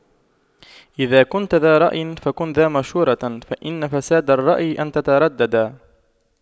إذا كنتَ ذا رأيٍ فكن ذا مشورة فإن فساد الرأي أن تترددا